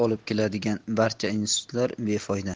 olib keladigan barcha institutlar befoyda